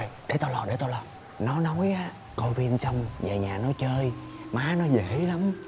để tao lo để tao lo nó nói á coi phim xong về nhà nó chơi má nó dễ lắm